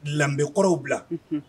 Lanbekɔrɔw bila, unhun.